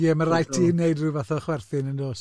Ie, mae'n rhaid ti wneud rhyw fath o chwerthin, yn does?